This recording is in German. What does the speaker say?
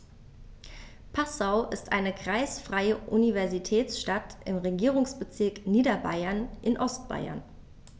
Passau ist eine kreisfreie Universitätsstadt im Regierungsbezirk Niederbayern in Ostbayern.